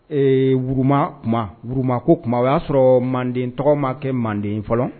Eeurumaur ko tuma o y'a sɔrɔ manden tɔgɔ ma kɛ mande fɔlɔ